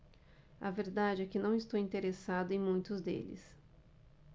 a verdade é que não estou interessado em muitos deles